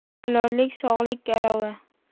halollik sog'lik garovi